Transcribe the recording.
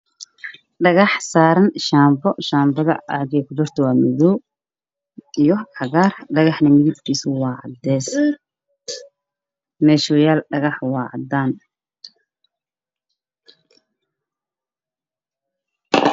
Waa meel waxaa saaran shanbo